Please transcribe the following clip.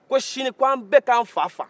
ko sini ko an bɛɛ ka an fa faga